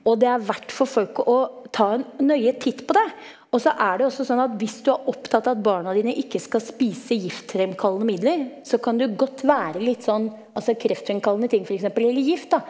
og det er verdt for folk å ta en nøye titt på det, også er det også sånn at hvis du er opptatt av at barna dine ikke skal spise giftfremkallende midler, så kan du godt være litt sånn altså kreftfremkallende ting f.eks. eller gift da.